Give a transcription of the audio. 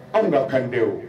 Anw ka kan tɛ o